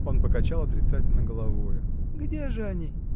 Он покачал отрицательно головою. — Где же они?